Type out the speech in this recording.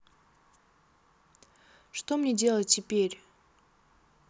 что мне делать теперь